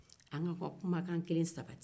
an ka kumakan kelen sabati